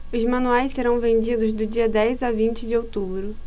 os manuais serão vendidos do dia dez a vinte de outubro